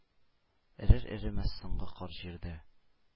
Эрер-эремәс соңгы кар җирдә